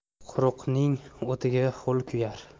quruqning o'tiga ho'l kuyar